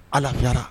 Ala lafira